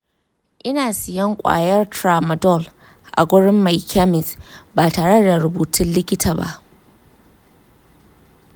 ina siyan ƙwayar tramadol a gurin mai kemis ba tare da rubutun likita ba.